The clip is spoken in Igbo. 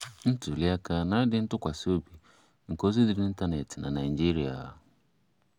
Ntụliaka na adịmntụkwasịobi nke ozi dị n'ịntaneetị na Naịjirịa